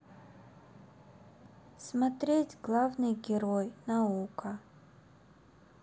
смотреть главный герой наука